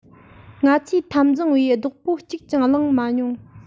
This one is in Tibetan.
ང ཚོའི འཐབ འཛིང པས རྡོག པོ གཅིག ཀྱང བླངས མ མྱོང